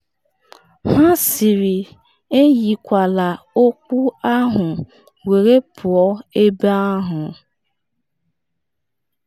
Ha sịrị, ‘eyikwala okpu ahụ were pụọ ebe ahụ.’